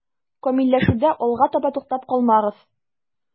Камилләшүдә алга таба да туктап калмагыз.